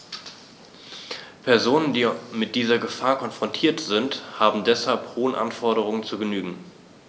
Personen, die mit dieser Gefahr konfrontiert sind, haben deshalb hohen Anforderungen zu genügen.